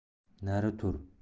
nari tur